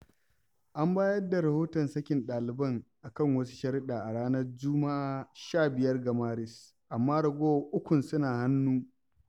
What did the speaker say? An bayar da rahoton sakin ɗaliban a kan wasu sharuɗa a ranar Juma'a 15 ga Maris, amma ragowar ukun suna hannu.